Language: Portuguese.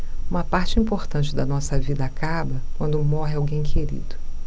uma parte importante da nossa vida acaba quando morre alguém querido